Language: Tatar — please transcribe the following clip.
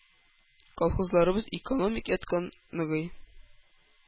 Колхозларыбыз экономик яктан ныгый.